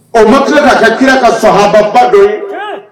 Ɔ ma tila k'a ka ki kira ka sɔn hababa dɔ ye